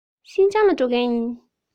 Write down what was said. ཤིན ཅང ལ འགྲོ མཁན ཡིན